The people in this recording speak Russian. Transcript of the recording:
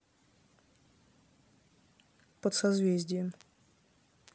под созвездием